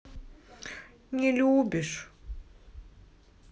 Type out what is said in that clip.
не любишь